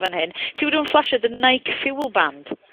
fan hyn. Ti wedi bod yn flasho dy Nike Fuel Band.